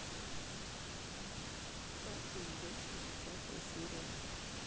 папины дочки десятая серия